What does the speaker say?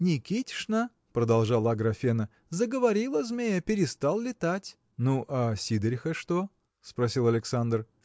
– Никитишна, – продолжала Аграфена, – заговорила змея перестал летать. – Ну, а Сидориха что? – спросил Александр.